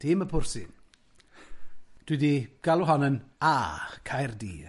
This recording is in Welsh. Tîm y pwrs i, dwi di galw hon yn A Caerdydd.